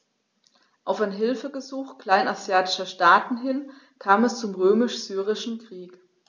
Auf ein Hilfegesuch kleinasiatischer Staaten hin kam es zum Römisch-Syrischen Krieg.